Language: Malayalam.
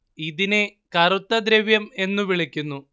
ഇതിനെ കറുത്ത ദ്രവ്യം എന്നു വിളിക്കുന്നു